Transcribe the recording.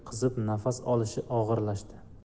qizib nafas olishi og'irlashdi